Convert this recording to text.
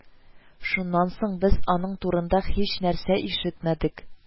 Шуннан соң без аның турында һичнәрсә ишетмәдек